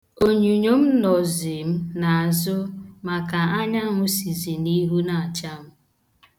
Onyinyo m nọzi m n'azụ maka anyanwu sizi n'ihu na-acha m.